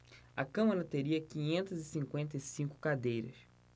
a câmara teria quinhentas e cinquenta e cinco cadeiras